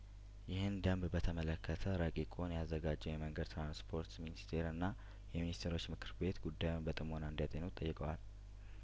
ይህን ደንብ በተመለከተ ረቂቁን ያዘጋጀው የመንገድ ትራንስፖርት ሚኒስቴር እና የሚኒስትሮች ምክር ቤት ጉዳዩን በጥሞና እንዲያጤኑት ጠይቀዋል